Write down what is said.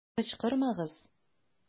Кычкырмагыз!